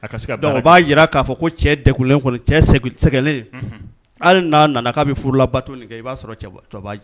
A ka se ka baara donc o b'a yira k'a fɔ ko cɛ degulen kɔni cɛ sekil sɛgɛlen unhun hali n'a nana k'a be furulabato nin kɛ i b'a sɔrɔ cɛ ba tɔ b'a jɛ